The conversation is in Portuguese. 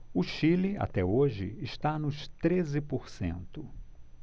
o chile até hoje está nos treze por cento